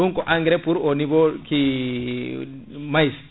ɗum ko engrais pour au niveau qui maïs